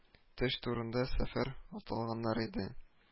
Төш турында сәфәр атлаганнар иде